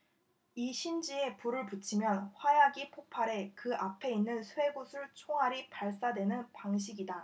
이 심지에 불을 붙이면 화약이 폭발해 그 앞에 있는 쇠구슬 총알이 발사되는 방식이다